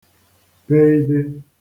beidē